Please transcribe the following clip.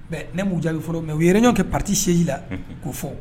Ne m'u jaabi fɔlɔ mais u ye reunion kɛ parti siège la k'o fɔ.